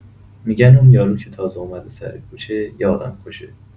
می‌گن اون یارو که تازه اومده سر کوچه، یه آدم‌کشه!